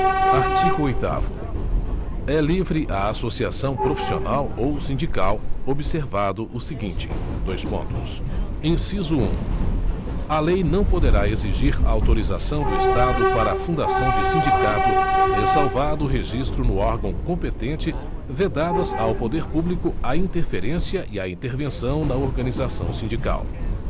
artigo oitavo é livre a associação profissional ou sindical observado o seguinte dois pontos inciso um a lei não poderá exigir autorização do estado para a fundação de sindicato ressalvado o registro no órgão competente vedadas ao poder público a interferência e a intervenção na organização sindical